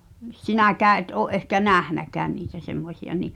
sinäkään et ole ehkä nähnytkään niitä semmoisia niin